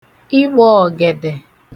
ịgbọ̄ọgèdè